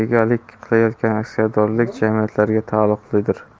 egalik qilayotgan aksiyadorlik jamiyatlariga taalluqlidir